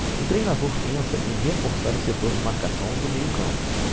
o treinador pensa em reforçar o setor de marcação do meio campo